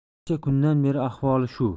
necha kundan beri ahvol shu